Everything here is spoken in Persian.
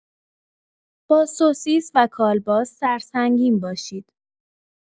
با سوسیس و کالباس سرسنگین باشید.